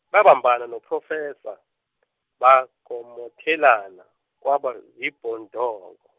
babambana noProfessor, bagomothelana, kwaba yibhodongo-.